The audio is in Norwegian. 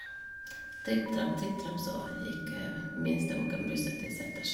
Tripp trapp, tripp trapp, så gikk minste bukken Bruse til seters.